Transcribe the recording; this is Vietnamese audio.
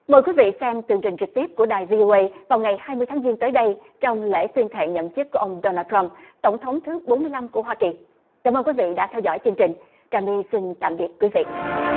mời quý vị xem tường trình trực tiếp của đài vi ô ây vào ngày hai mươi tháng giêng tới đây trong lễ tuyên thệ nhậm chức của ông đôn na trăm tổng thống thứ bốn mươi lăm của hoa kỳ cảm ơn quý vị đã theo dõi chương trình trà my xin tạm biệt quý vị